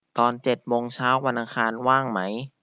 ตอนเจ็ดโมงเช้าวันอังคารว่างไหม